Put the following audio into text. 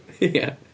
Ia.